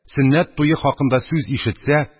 Сөннәт туе хакында сүз ишетсә,